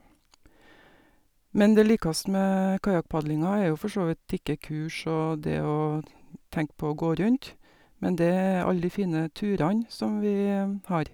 Men det likast med kajakkpadlinga er jo forsåvidt ikke kurs og det å t tenke på å gå rundt, men det er alle de fine turene som vi har.